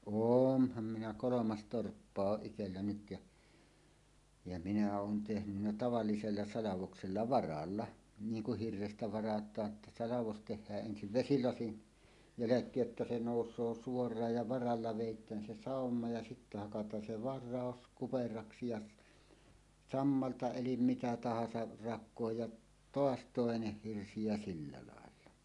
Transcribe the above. olenhan minä kolme torppaa on itsellä nyt ja ja minä olen tehnyt tavallisella salvoksella varalla niin kun hirrestä varataan jotta salvos tehdään ensin vesilasin jälkeen jotta se nousee suoraan ja varalla vedetään se sama ja sitten hakataan se vara kuperaksi ja - sammalta eli mitä tahansa rakoon ja taas toinen hirsi ja sillä lailla